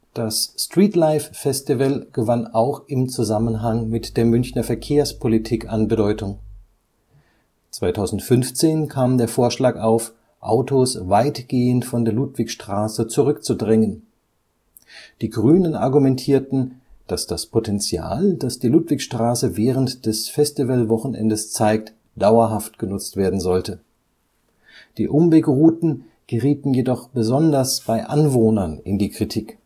Das Streetlife Festival gewann auch im Zusammenhang mit der Münchner Verkehrspolitik an Bedeutung. 2015 kam der Vorschlag auf, Autos weitgehend von der Ludwigstraße zurückzudrängen. Die Grünen argumentierten, dass das Potential, das die Ludwigstraße während des Festivalwochenendes zeigt, dauerhaft genutzt werden sollte. Die Umwegrouten gerieten jedoch besonders bei Anwohnern in die Kritik